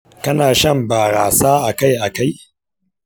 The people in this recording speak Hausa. kana shan barasa akai-akai?